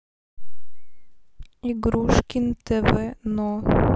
игрушкин тв но